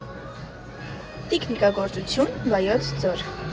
Տիկնիկագործություն, Վայոց ձոր։